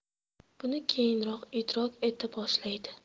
buni keyinroq idrok eta boshlaydi